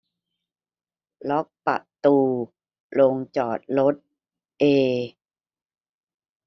ล็อกประตูโรงจอดรถเอ